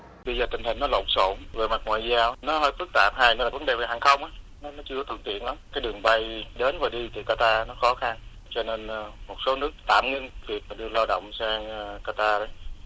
bây giờ tình hình nó lộn xộn về mặt ngoại giao nó hơi phức tạp hai nữa là vấn đề về hàng không ớ nó nó chưa có thuận tiện lắm cái đường bay đến và đi từ ca ta nó khó khăn cho nên một số nước tạm ngưng việc mà đưa lao động sang ca ta đó